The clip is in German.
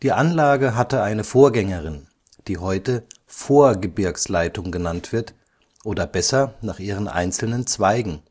Anlage hatte eine Vorgängerin, die heute Vorgebirgsleitung genannt wird oder besser nach ihren einzelnen Zweigen